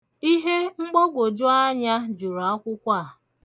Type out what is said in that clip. Ihe mgbagwoju anya juru akwụkwọ a.